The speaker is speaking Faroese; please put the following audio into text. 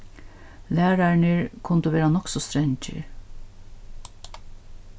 lærararnir kundu vera nokk so strangir